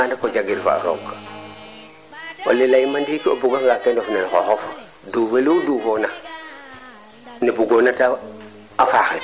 xenda na nuun xa kiid xa mayu i ndef no jam rooga jegaan a wagaan yasam rooga fiyana in na in wa salam